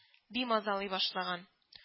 Бимазалый башлаган: